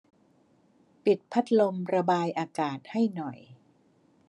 ปิดพัดลมระบายอากาศให้หน่อย